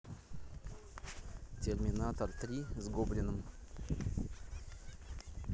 терминатор три с гоблином